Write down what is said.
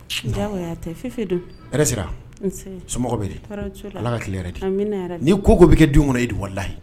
Sera so bɛ ala ka tile de ni ko ko bɛ kɛ den kɔnɔ iwala ye